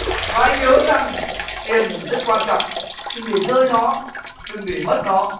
và hãy nhớ rằng tiền rất quan trọng đừng để rơi nó đừng để mất nó